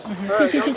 ci ci ci